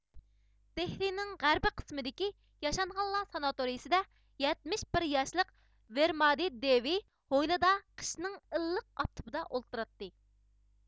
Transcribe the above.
دېھلىنىڭ غەربىي قىسمىدىكى ياشانغانلار ساناتورىيىسىدە يەتمىش بىر ياشلىق ۋېرمادى دېۋى ھويلىدا قىشنىڭ ئىللىق ئاپتىپىدا ئولتۇراتتى